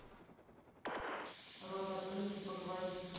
рот открыть и поговорить